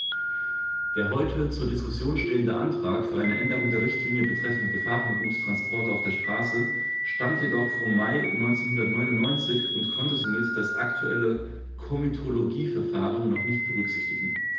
Der heute zur Diskussion stehende Vorschlag für eine Änderung der Richtlinie betreffend Gefahrguttransporte auf der Straße stammt jedoch vom Mai 1999 und konnte somit das aktuelle Komitologieverfahren noch nicht berücksichtigen.